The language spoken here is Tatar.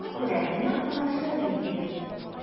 Шуңа күрә нык кына эшләргә кирәк.